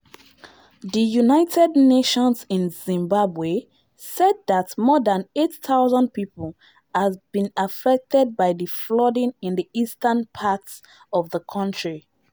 The United Nations in Zimbabwe said that more than 8,000 people have been affected by the flooding in the eastern parts of the country.